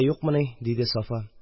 Юкмыни? – диде сафа.